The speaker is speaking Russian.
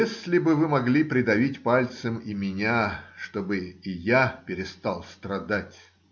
Если бы вы могли придавить пальцем и меня, чтобы и я перестал страдать!